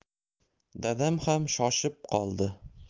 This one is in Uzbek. dadam ham shoshib qoldi